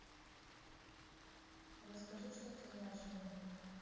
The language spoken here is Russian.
расскажи что ты знаешь о ней